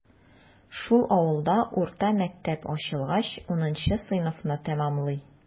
Шул авылда урта мәктәп ачылгач, унынчы сыйныфны тәмамлый.